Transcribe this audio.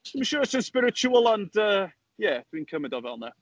Dwi'm siŵr os 'di o'n spiritual, ond yy, ie, dwi'n cymyd o fel 'na.